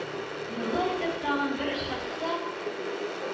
Еллар үтеп, тагын бер очрашсак,